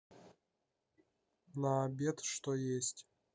на обед что есть